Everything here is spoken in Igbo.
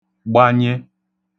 gbanye